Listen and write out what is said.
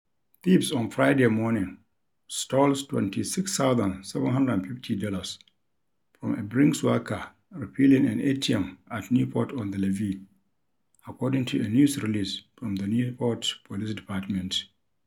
Thieves on Friday morning stole $26,750 from a Brink's worker refilling an ATM at Newport on the Levee, according to a news release from the Newport Police Department.